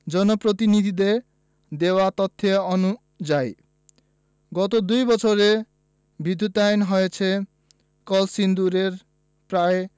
জনপ্রতিনিধিদের দেওয়া তথ্য অনুযায়ী গত দুই বছরে বিদ্যুতায়ন হয়েছে কলসিন্দুরের প্রায়